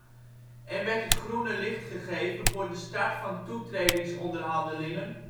en werd het groene licht gegeven voor de start van toetredingsonderhandelingen